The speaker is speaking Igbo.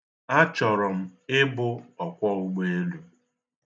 Achọrọ m ịbụ ọkwọụgbọelu.